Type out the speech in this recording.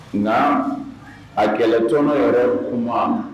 Nka a kɛlɛtɔɔn yɛrɛ kuma